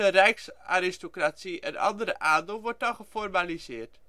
rijksaristocratie en andere adel wordt dan geformaliseerd